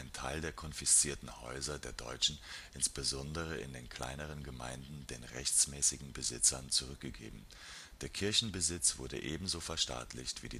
Teil der konfiszierten Häuser der Deutschen, insbesondere in den kleineren Gemeinden, wurde den rechtsmässigen Besitzern zurückgegeben. Der Kirchenbesitz wurde ebenso verstaatlicht wie